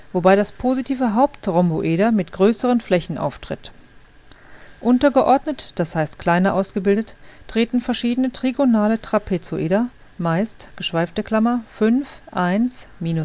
wobei das positive Hauptrhomboeder mit größeren Flächen auftritt. Untergeordnet, d.h. kleiner ausgebildet, treten verschiedene trigonale Trapezoeder, meist {51 6 ¯ 1 {\ displaystyle 51 {\ bar {6}} 1}}